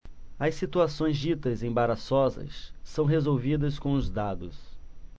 as situações ditas embaraçosas são resolvidas com os dados